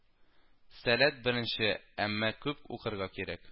Сәләт беренче, әмма күп укырга кирәк